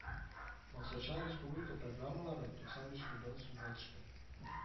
Максатчан республика программалары туксан биш миллион сумга төшкән